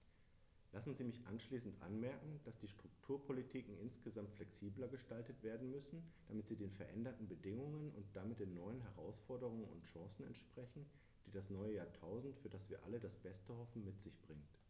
Lassen Sie mich abschließend anmerken, dass die Strukturpolitiken insgesamt flexibler gestaltet werden müssen, damit sie den veränderten Bedingungen und damit den neuen Herausforderungen und Chancen entsprechen, die das neue Jahrtausend, für das wir alle das Beste hoffen, mit sich bringt.